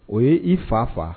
O ye i fa fa